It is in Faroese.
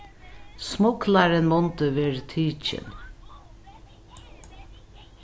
smuglarin mundi verið tikin